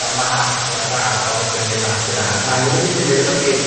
Ond ma' pethe'n raddol yn symud mas i'r ardd, ma' angen i fi symud y basgedi